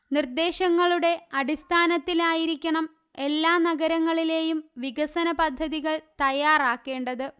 നിര്ദേശങ്ങളുടെ അടിസ്ഥാനത്തിലായിരിക്കണം എല്ലാ നഗരങ്ങളിലെയും വികസന പദ്ധതികള് തയ്യാറാക്കേണ്ടത്